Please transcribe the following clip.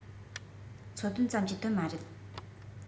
འཚོལ དོན ཙམ ཀྱི དོན མ རེད